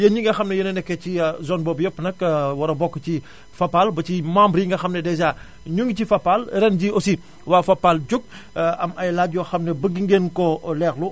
yéen ñi nga xam ne yéen a nekkee ci zone boobu nag war bokk ci Fapal ba ci membre yi nga xam ne déjà ñu ngi ci Fapal ren jii aussi waa Fapal jóg ha am ay laaj yoo xam ne bëgg ngeen ko leerlu